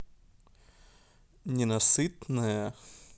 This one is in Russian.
ненасытная